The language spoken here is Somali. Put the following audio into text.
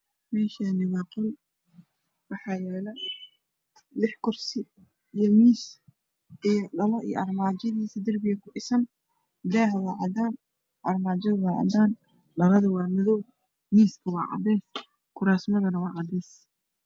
Meshani waa Qol waxa yalo lix kursi iyo miis iyo dhalo iyo armaajo iyo mis darbiga ku dhisan dahu wa cadan armajadu wa cadan dhaladu wa madow misku wa cades kuras Madu wa Cades